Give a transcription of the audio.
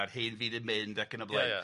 a'r hyn fydd yn mynd ac yn y blaen... Ia, ia...